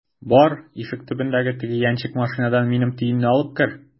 Бар, ишек төбендәге теге яньчек машинадан минем төенне алып кер!